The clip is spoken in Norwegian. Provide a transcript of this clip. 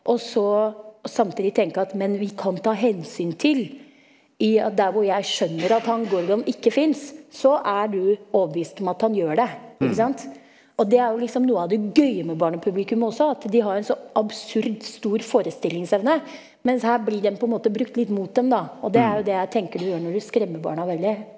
også samtidig tenke at, men vi kan ta hensyn til i at der hvor jeg skjønner at han Gorgon ikke fins så er du overbevist om at han gjør det, ikke sant, og det er jo liksom noe av det gøye med barnepublikumet også, at de har en så absurd stor forestillingsevne, mens her blir den på en måte brukt litt mot dem da og det er jo det jeg tenker du gjør når du skremmer barna veldig.